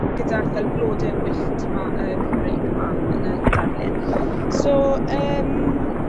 Gyda'r fel blode wyllt 'ma yy Cymreig 'ma yn y darlun. So yym